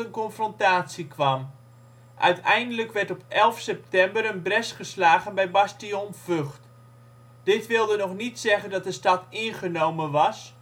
confrontatie kwam. Uiteindelijk werd op 11 september een bres geslagen bij Bastion Vught. Dit wilde nog niet zeggen, dat de stad ingenomen was